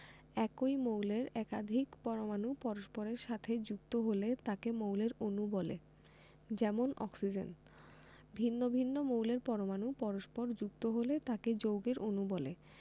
একই মৌলের একাধিক পরমাণু পরস্পরের সাথে যুক্ত হলে তাকে মৌলের অণু বলে যেমন অক্সিজেন ভিন্ন ভিন্ন মৌলের পরমাণু পরস্পর যুক্ত হলে তাকে যৌগের অণু বলে